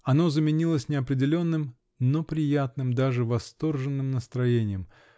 Оно заменилось неопределенным, но приятным, даже восторженным настроением.